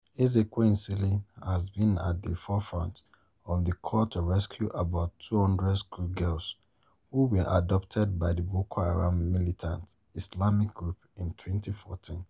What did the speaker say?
Ezekwesili has been at the forefront of the call to rescue about 200 school girls who were abducted by the Boko Haram militant Islamic group in 2014.